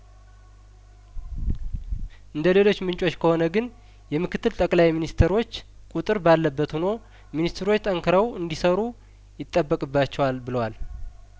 እንደ ሌሎች ምንጮች ከሆነ ግን የምክትል ጠቅላይ ሚኒስተሮች ቁጥር ባለበት ሁኖ ሚኒስትሮቹ ጠንክረው እንዲሰሩ ይጠበቅባቸዋል ብሏል